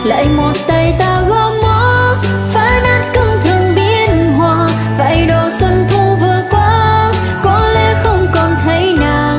lại một tay ta gõ mõ phá nát cương thường biến họa vài độ xuân thu vừa qua có lẽ không còn thấy nàng